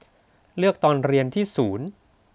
เลือกตอนเรียนที่ศูนย์